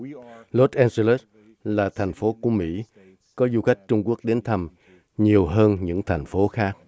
lót an gơ lét là thành phố của mỹ có du khách trung quốc đến thăm nhiều hơn những thành phố khác